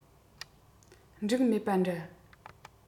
འགྲིག མེད པ འདྲ